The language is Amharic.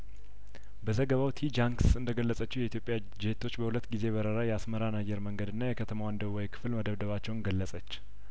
በዘገባው ቲጃን ክስ እንደገለጸችው የኢትዮጵያ ጄቶች በሁለት ጊዜ በረራ የአስመራን አየር መንገድና የከተማዋን ደቡባዊ ክፍል መደብደባቸውን ገለጸች